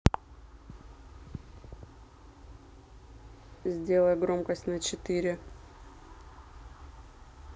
сделай громкость на четыре